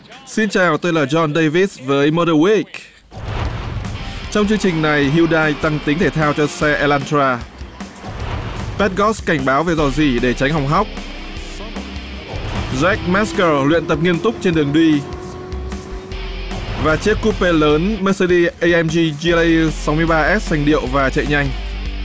xin chào tôi là gion đây vít với mo đờ uých trong chương trình này hiu đai tăng tính thể thao cho xe e lan choa tát gót cảnh báo về rò rỉ để tránh hỏng hóc dách mác cờ luyện tập nghiêm túc trên đường đi và chiếc cúp pê lớn mơ sơ đi ây em gi gia lai i sáu mươi ba ét sành điệu và chạy nhanh